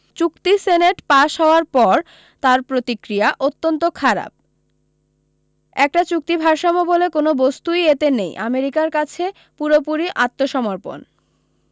চুক্তি senate pass হওয়ার পর তাঁর প্রতিক্রিয়া অত্যন্ত খারাপ একটা চুক্তি ভারসাম্য বলে কোনও বস্তুই এতে নেই আমেরিকার কাছে পুরোপুরি আত্মসমরপণ